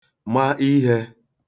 ma ihẹ